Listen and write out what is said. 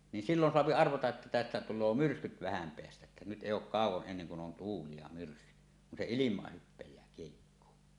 niin silloin saa arvata että tästä tulee myrskyt vähän päästä että nyt ei ole kauan ennen kuin on tuuli ja myrskyt kun se ilmaan hypää kiehikkoon